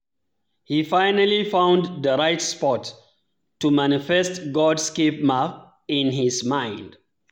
He finally found the right spot to manifest God's cave map in his mind.